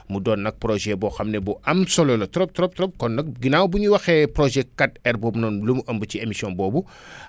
mu doon nag projet boo xam ne bu am solo la trop trop trop kon nag ginnaaw bu ñu waxee projet 4R boobu noonu lu mu ëmb ci émission boobu